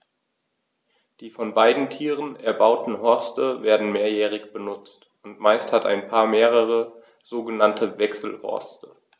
Die von beiden Tieren erbauten Horste werden mehrjährig benutzt, und meist hat ein Paar mehrere sogenannte Wechselhorste.